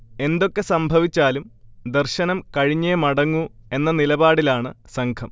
എന്തൊക്കെ സംഭവിച്ചാലും ദർശനം കഴിഞ്ഞേമടങ്ങൂ എന്ന നിലപാടിലാണ് സംഘം